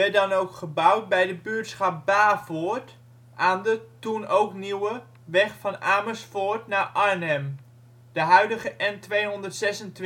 dan ook gebouwd bij de buurtschap Bavoort aan de (toen ook nieuwe) weg van Amersfoort naar Arnhem, de huidige N226